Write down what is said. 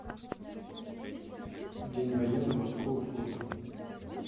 день военно морского флота